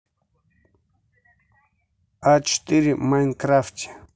а четыре майнкрафте